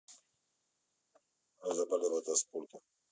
а заболело то сколько